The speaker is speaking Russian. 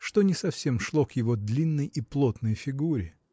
что не совсем шло к его длинной и плотной фигуре.